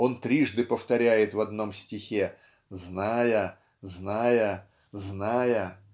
он трижды повторяет в одном стихе зная зная зная